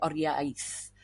o'r iaith